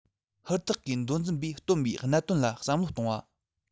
ཧུར ཐག གིས མདོ འཛིན པས བཏོན པའི གནད དོན ལ བསམ བློ གཏོང བ